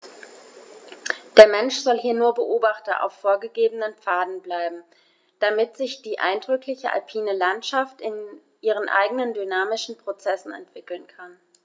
Der Mensch soll hier nur Beobachter auf vorgegebenen Pfaden bleiben, damit sich die eindrückliche alpine Landschaft in ihren eigenen dynamischen Prozessen entwickeln kann.